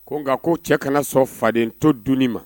Ko nka ko cɛ kana sɔn faden to dun ma